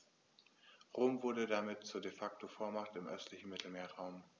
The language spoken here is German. Rom wurde damit zur ‚De-Facto-Vormacht‘ im östlichen Mittelmeerraum.